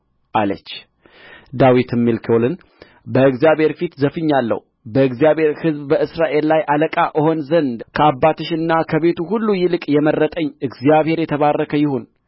አለች ዳዊትም ሜልኮልን በእግዚአብሔር ፊት ዘፍኛለሁ በእግዚአብሔር ሕዝብ በእስራኤል ላይ አለቃ እሆን ዘንድ ከአባትሽና ከቤቱ ሁሉ ይልቅ የመረጠኝ እግዚአብሔር የተባረከ ይሁን